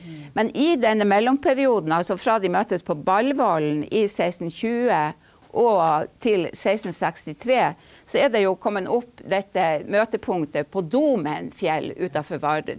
men i denne mellomperioden, altså fra de møttes på Ballvollen i 1620 og til sekstensekstitre, så er det jo kommet opp dette møtepunktet på Domen fjell utafor Vardø.